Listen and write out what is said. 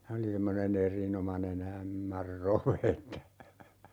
se oli semmoinen erinomainen ämmänrove että